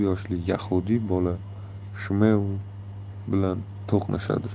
to'qqiz yoshli yahudiy bola shmuel bilan do'stlashadi